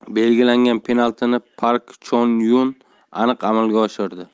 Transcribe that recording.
belgilangan penaltini park chu yon aniq amalga oshirdi